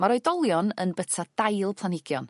Ma'r oedolion yn byta dail planhigion